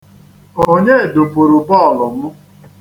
Onye dụpuru bọọlụ m.